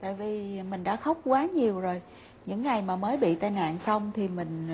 tại vì mình đã khóc quá nhiều rồi những ngày mà mới bị tai nạn xong thì mình